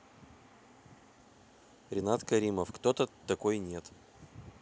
ренат каримов кто то такой нет